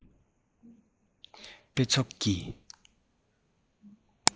དཔེ ཚོགས ཀྱི